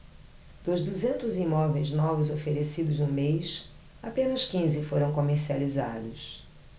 dos duzentos imóveis novos oferecidos no mês apenas quinze foram comercializados